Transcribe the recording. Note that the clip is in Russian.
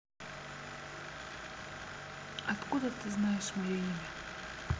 откуда ты знаешь мое имя